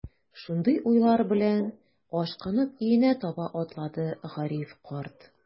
Шундый уйлар белән, ашкынып өенә таба атлады Гариф карт.